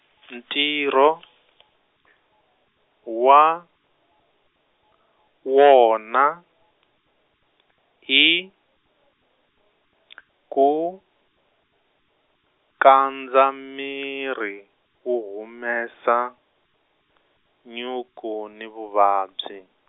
ntirho, wa, wona, i , ku, kandza miri wu humesa, nyuku ni vuvabyi.